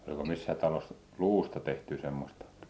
oliko missään talossa luusta tehtyä semmoista